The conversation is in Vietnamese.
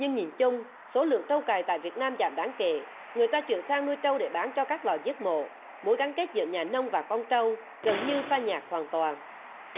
nhưng nhìn chung số lượng trâu cày tại việt nam giảm đáng kể người ta chuyển sang nuôi trâu để bán cho các lò giết mổ mối gắn kết giữa nhà nông và con trâu gần như pha nhạt hoàn toàn